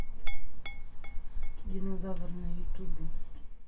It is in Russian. динозавр на ютубе